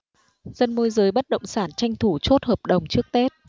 dân môi giới bất động sản tranh thủ chốt hợp đồng trước tết